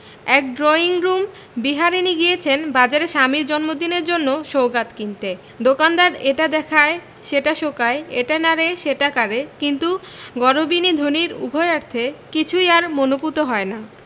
এক ড্রইংরুম বিহারীণী গিয়েছেন বাজারে স্বামীর জন্মদিনের জন্য সওগাত কিনতে দোকানদার এটা দেখায় সেটা শোঁকায় এটা নাড়ে সেটা কাড়ে কিন্তু গরবিনী ধনীর উভয়ার্থে কিছুই আর মনঃপূত হয় না